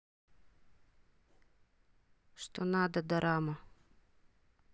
что надо дорама